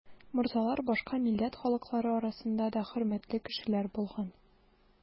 Морзалар башка милләт халыклары арасында да хөрмәтле кешеләр булган.